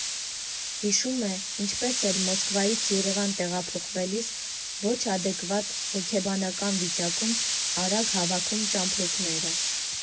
Հիշում է՝ ինչպես էր Մոսկվայից Երևան տեղափոխվելիս «ոչ ադեկտվատ հոգեբանական վիճակում» արագ հավաքում ճամպրուկները։